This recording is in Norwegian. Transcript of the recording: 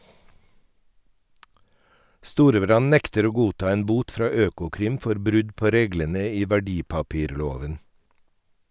Storebrand nekter å godta en bot fra Økokrim for brudd på reglene i verdipapirloven.